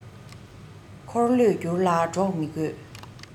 འཁོར ལོས བསྒྱུར ལ གྲོགས མི དགོས